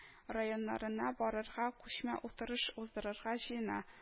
Районнарына барырга, күчмә утырыш уздырырга җыена